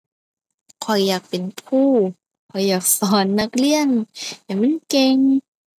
ข้อยอยากเป็นครู ข้อยอยากสอนนักเรียนให้มันเก่ง